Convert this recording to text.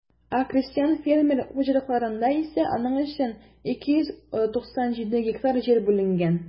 Ә крестьян-фермер хуҗалыкларында исә аның өчен 297 гектар җир бүленгән.